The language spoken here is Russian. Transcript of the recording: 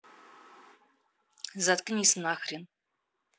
заткнись нахрен